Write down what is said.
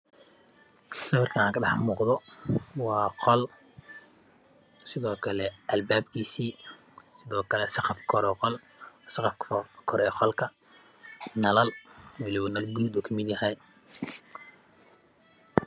Halkan waa qol wax kuxiran nal oo gadud ah